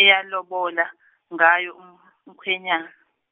ayelobola ngayo um- umkhwenyana.